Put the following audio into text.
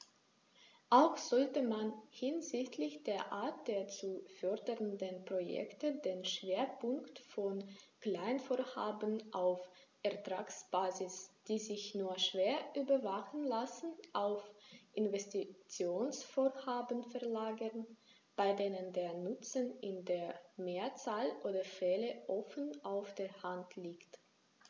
Auch sollte man hinsichtlich der Art der zu fördernden Projekte den Schwerpunkt von Kleinvorhaben auf Ertragsbasis, die sich nur schwer überwachen lassen, auf Investitionsvorhaben verlagern, bei denen der Nutzen in der Mehrzahl der Fälle offen auf der Hand liegt.